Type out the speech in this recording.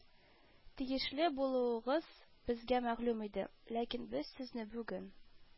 Тиешле булуыгыз безгә мәгълүм иде, ләкин без сезне бүген